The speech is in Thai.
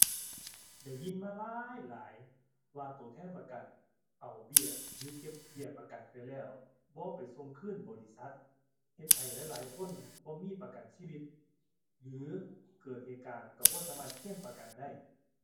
ได้ยินมาหลายหลาย ว่าตัวแทนประกัน เอาเบี้ย หรือเก็บเบี้ยประกันไปแล้วบ่ไปส่งคืนบริษัท เฮ็ดให้หลายหลายคนบ่มีประกันชีวิต หรือเกิดเหตุการณ์ตัวบ่สามารถเคลมประกันได้